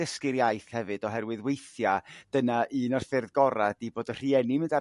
ddysgu'r iaith hefyd oherwydd w'ithia' dyna un or ffyrdd gora' 'di bod y rhieni'n mynd ar